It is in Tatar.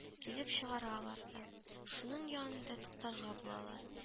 Килеп чыгаралар да, шуның янында туктарга булалар